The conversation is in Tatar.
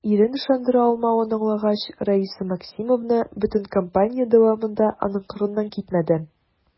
Ирен ышандыра алмавын аңлагач, Раиса Максимовна бөтен кампания дәвамында аның кырыннан китмәде.